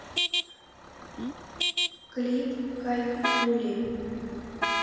клип кайфули